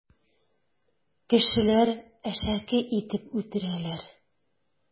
Кешеләр әшәке итеп үтерәләр.